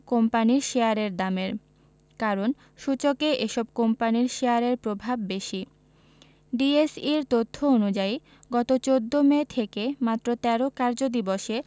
কোম্পানির শেয়ারের দামের কারণ সূচকে এসব কোম্পানির শেয়ারের প্রভাব বেশি ডিএসইর তথ্য অনুযায়ী গত ১৪ মে থেকে মাত্র ১৩ কার্যদিবসে